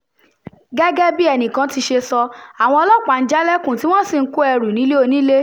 Gẹ́gẹ́ bí ẹnìkan ti ṣe sọ, àwọn ọlọ́pàá ń jálẹ̀kùn tí wọ́n sì ń kó ẹrù nílé onílé.